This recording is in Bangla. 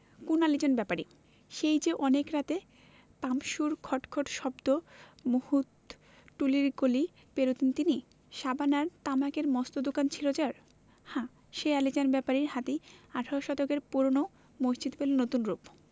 কোন আলীজান ব্যাপারী সেই যে অনেক রাতে পাম্পসুর খট খট শব্দ মাহুতটুলির গলি পেরুতেন তিনি সাবান আর তামাকের মস্ত দোকান ছিল যার হ্যাঁ সে আলীজান ব্যাপারীর হাতেই আঠারো শতকের পুরোনো মসজিদ পেলো নতুন রুপ